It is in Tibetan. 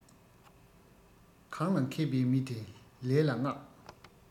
གང ལ མཁས པའི མི དེ ལས ལ མངགས